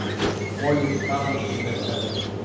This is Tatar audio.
Поезд тагын килер әле.